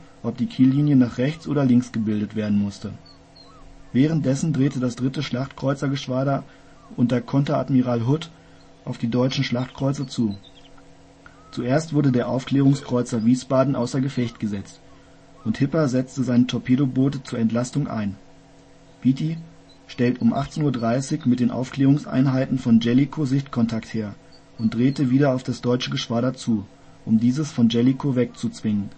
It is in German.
Kiellinie nach rechts oder links gebildet werden musste. Währenddessen drehte das dritte Schlachtkreuzergeschwader unter Konteradmiral Hood auf die deutschen Schlachtkreuzer zu. Zuerst wurde der Aufklärungskreuzer Wiesbaden außer Gefecht gesetzt, und Hipper setzte seine Torpedoboote zur Entlastung ein. Beatty stellt um 18:30 Uhr mit den Aufklärungseinheiten von Jellicoe Sichtkontakt her und drehte wieder auf das deutsche Geschwader zu, um dieses von Jellicoe wegzuzwingen